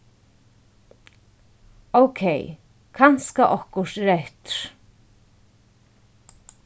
ókey kanska okkurt er eftir